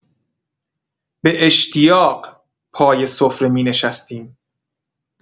به اشتیاق پای سفره می‌نشستیم.